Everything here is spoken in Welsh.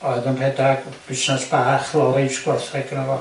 oedd yn rhedag busnas bach haulage gwarhaig gyna fo.